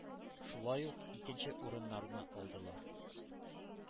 Шулай ук, икенче урыннарны алдылар.